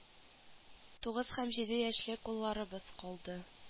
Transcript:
Тугыз һәм җиде яшьлек улларыбыз калды